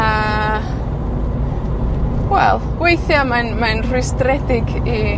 A, wel, weithia', mae'n, mae'n rhwystredig i